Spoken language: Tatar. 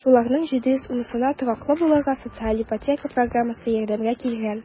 Шуларның 710-сына тораклы булырга социаль ипотека программасы ярдәмгә килгән.